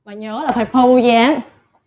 mà nhớ là phải phâu dáng